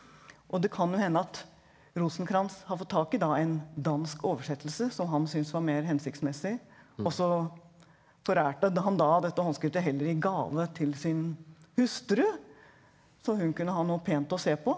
og det kan jo hende at Rosenkrantz har fått tak i da en dansk oversettelse som han synes var mer hensiktsmessig også forærte han da dette håndskrevet heller i gave til sin hustru så hun kunne ha noe pent å se på.